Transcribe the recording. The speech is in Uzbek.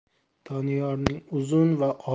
doniyorning uzun va